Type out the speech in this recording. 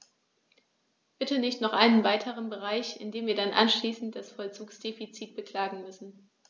Bitte nicht noch einen weiteren Bereich, in dem wir dann anschließend das Vollzugsdefizit beklagen müssen.